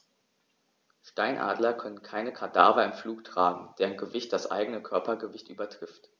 Steinadler können keine Kadaver im Flug tragen, deren Gewicht das eigene Körpergewicht übertrifft.